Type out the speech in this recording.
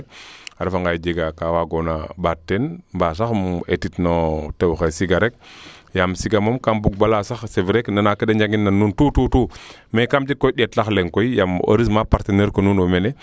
a refa ngaaye jega ka waagoona mbaat teen mba sax im eetit no tewoxe Siga rek yaam Siga moom kam bug bala sax c' est vrai nak nana kee de njangin na nuun tout tout mais kam jeg koy ndeet lax leŋ koy yaam heureusement partenaire ke nuun ndef na mene